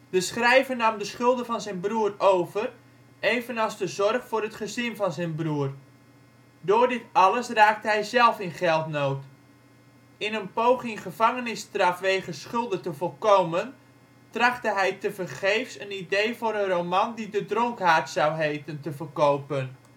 De schrijver nam de schulden van zijn broer over, evenals de zorg voor het gezin van zijn broer. Door dit alles raakte hij zelf in geldnood. In een poging gevangenisstraf wegens schulden te voorkomen trachtte hij tevergeefs een idee voor een roman die De dronkaard zou heten, te verkopen